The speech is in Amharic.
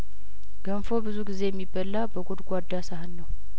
ገንፎ ብዙ ጊዜ የሚበላ በጐድጓዳ ሳህን ነው